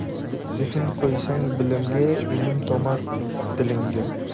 zehn qo'ysang bilimga ilm tomar dilingga